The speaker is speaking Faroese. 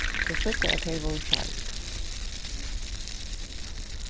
tey søgdu at tey vórðu særd